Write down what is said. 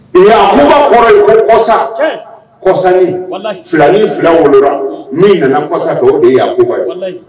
Yaakuba kɔrɔ ko kɔsa, tiɲɛ, kɔsani, walayi, filani 2 wolo la, un, min nana kɔ sa fɛ o de yaakuba ye.